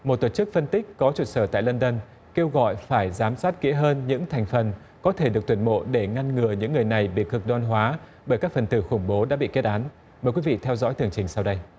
một tổ chức phân tích có trụ sở tại lân đân kêu gọi phải giám sát kỹ hơn những thành phần có thể được tuyển mộ để ngăn ngừa những người này bị cực đoan hóa bởi các phần tử khủng bố đã bị kết án mời quý vị theo dõi tường trình sau đây